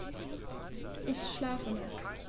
Ich schlafe noch.